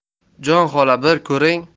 jon xola bir ko'ring